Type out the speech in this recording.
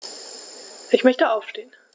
Ich möchte aufstehen.